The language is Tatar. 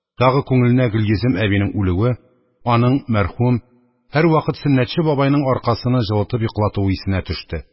Тагы күңеленә Гөлйөзем әбинең үлүе, аның, мәрхүм, һәрвакыт Сөннәтче бабайның аркасыны җылытып йоклатуы исенә төште.